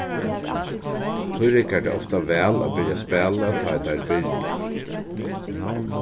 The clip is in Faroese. tí riggar tað ofta væl at byrja at spæla tá ið teir byrja